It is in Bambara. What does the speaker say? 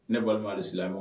Ne balaale sila wa